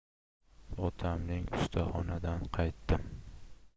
otamning ustaxonadan qaytdim